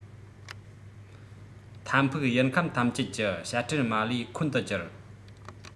མཐའ ཕུགས ཡུལ ཁམས ཐམས ཅད ཀྱི བྱ སྤྲེལ མ ལུས འཁོན དུ གྱུར